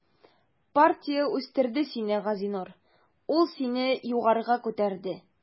Партия үстерде сине, Газинур, ул сине югары күтәрде.